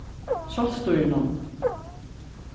sjálvstýrinum